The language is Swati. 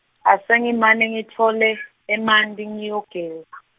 Asengimane ngitfole, emanti ngiyogeza.